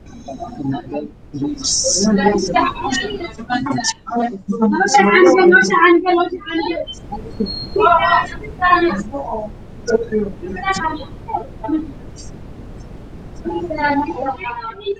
Waa saxan cadaan waxaa saaran cunto fara badan